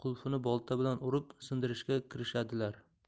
qulfini bolta bilan urib sindirishga kirishadilar